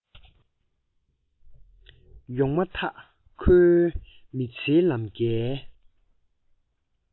ཡོང མ ཐག ཁོའི མི ཚེའི ལམ ཀའི